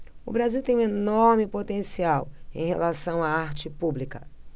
o brasil tem um enorme potencial em relação à arte pública